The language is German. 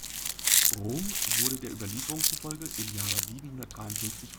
Rom wurde der Überlieferung zufolge im Jahre 753